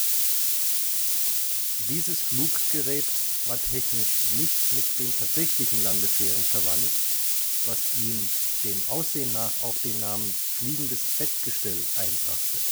Dieses Fluggerät war technisch nicht mit den tatsächlichen Landefähren verwandt, was ihm dem Aussehen nach auch den Namen Fliegendes Bettgestell einbrachte